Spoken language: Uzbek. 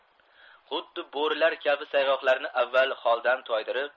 xuddi bo'rilar kabi sayg'oqlarni avval holdan toydirib